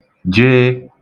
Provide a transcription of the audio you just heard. j